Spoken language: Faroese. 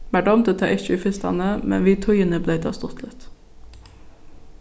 mær dámdi tað ikki í fyrstani men við tíðini bleiv tað stuttligt